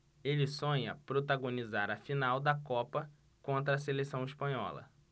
ele sonha protagonizar a final da copa contra a seleção espanhola